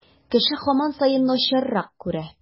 Кеше һаман саен начаррак күрә.